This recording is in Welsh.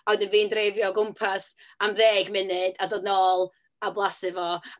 A wedyn fi'n dreifio o gwmpas am ddeg munud, a dod nôl a blasu fo...